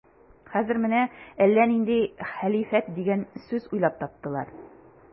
Хәзер менә әллә нинди хәлифәт дигән сүз уйлап таптылар.